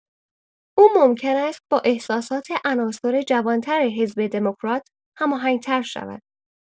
او ممکن است با احساسات عناصر جوان‌تر حزب دموکرات هماهنگ‌تر شود.